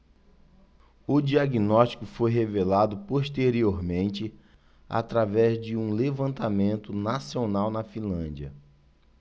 o diagnóstico foi revelado posteriormente através de um levantamento nacional na finlândia